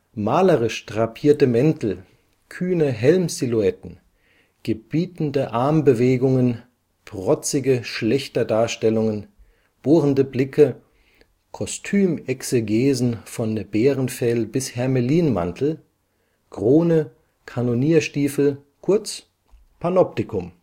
Malerisch drapierte Mäntel, kühne Helmsilhouetten, gebietende Armbewegungen, protzige Schlächterdarstellungen, bohrende Blicke, Kostümexegesen von Bärenfell bis Hermelinmantel, Krone, Kanonierstiefel, kurz: Panoptikum